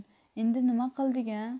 endi nima qildik a